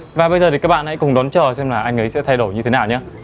và bây giờ thì các bạn hãy cùng đón chờ xem là anh ấy sẽ thay đổi như thế nào nhá